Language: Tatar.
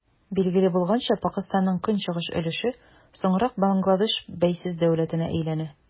Билгеле булганча, Пакыстанның көнчыгыш өлеше соңрак Бангладеш бәйсез дәүләтенә әйләнә.